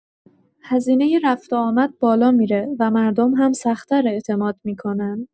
هزینۀ رفت‌وآمد بالا می‌ره و مردم هم سخت‌تر اعتماد می‌کنن.